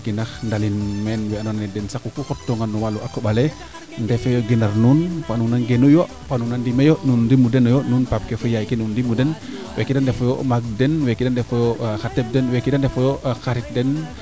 ndalin meen we ando naye meen den saku ku xot tonga no walum koɓale ndefeyo genar nuun fa nuun a ngenu yo fa nuun a ndime yo nuun ndimu deno yo Faap ke fo Yaay ke nuun ndemu deno yo weete de ndefo yo o maag den weeke ndefoyo xa teɓ den weeke de ndefo yo xarit den dr